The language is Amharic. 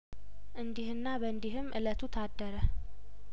እንዲ ህና በእንዲህም እለቱ ታደረ